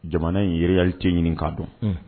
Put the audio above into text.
Jamana inirili tɛ ɲinikan don